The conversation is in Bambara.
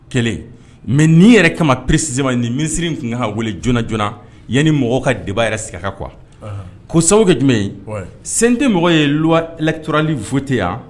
Kɛlen mɛ n'i yɛrɛ kama peresima nin misisiriri tun ka weele joona joonana yan ni mɔgɔ ka deba yɛrɛ sigikaka qu ko sababu kɛ jumɛn sen tɛ mɔgɔ ye wa latturaralifo tɛ yan